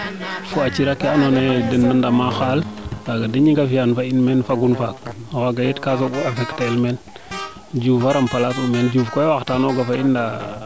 fo a cira ke ando naye dena ndama xa xaal kaaga de Gning afiyaan fo in meen fagun faak o xaaga tam ka soog u affecter el Diouf koy a remplacer u meen Diouf koy a waaxtanoguna fo in ndaa